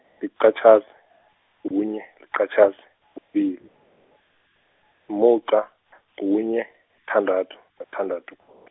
liqatjhazi, kunye, liqatjhazi, kubili, muqa , kunye, thandathu nathandathu .